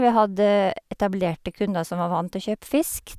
Vi hadde etablerte kunder som var vant til å kjøpe fisk.